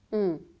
ja.